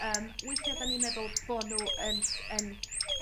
yym weithia 'dan ni'n meddwl bo' nw yn c- yn